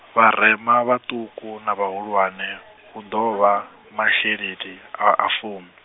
vharema vhaṱuku na vhahulwane hu ḓo vha, masheleni, a a fumi.